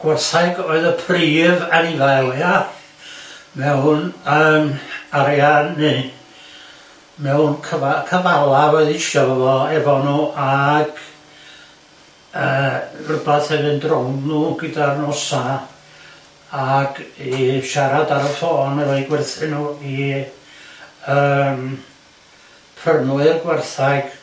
Gwerthaig o'dd y prif anifail ia... ma' hwn... yym arian neu mewn cyfa- cyfalaf o'dd isio fo efo n'w ag yy rwbath hefyd i fynd rownd n'w gyda'r nosa ag i siarad ar y ffôn efo'u gwerthu n'w i yym prynwyr gwerthag.